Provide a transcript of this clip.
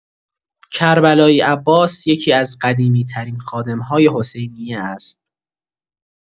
کربلایی عباس یکی‌از قدیمی‌ترین خادم‌های حسینیه است.